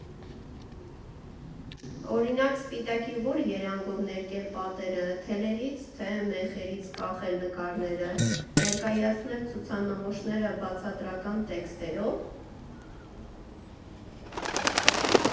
Օրինակ՝ սպիտակի ո՞ր երանգով ներկել պատերը, թելերի՞ց, թե՞ մեխերից կախել նկարները, ներկայացնել ցուցանմուշները բացատրական տեքստերո՞վ.